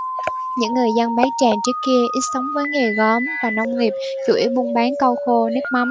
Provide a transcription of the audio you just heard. những người dân bát tràng trước kia ít sống với nghề gốm và nông nghiệp chủ yếu buôn bán cau khô nước mắm